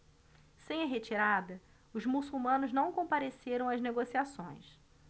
sem a retirada os muçulmanos não compareceram às negociações